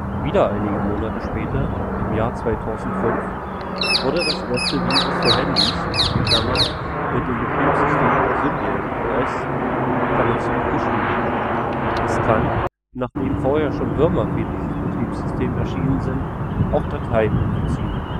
Wieder einige Monate später, im Jahr 2005, wurde das erste Virus für Handys (mit dem Betriebssystem Symbian OS) geschrieben. Es kann, nachdem vorher schon Würmer für dieses Betriebssystem erschienen sind, auch Dateien infizieren